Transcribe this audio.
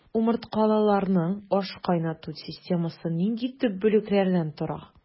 Умырткалыларның ашкайнату системасы нинди төп бүлекләрдән тора?